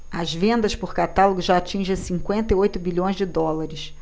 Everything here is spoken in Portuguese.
as vendas por catálogo já atingem cinquenta e oito bilhões de dólares